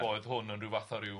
A oedd hwn yn ryw fath o ryw